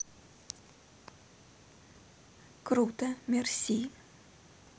круто merci